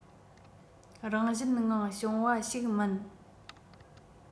རང བཞིན ངང བྱུང བ ཞིག མིན